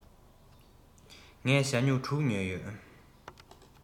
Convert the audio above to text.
ངས ཞྭ སྨྱུག དྲུག ཉོས ཡོད